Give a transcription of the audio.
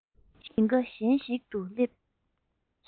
ཞིང ཁ གཞན ཞིག ཏུ སླེབས